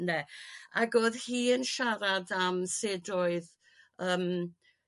ynde? Ag o'dd hi yn siarad am sud oedd yrm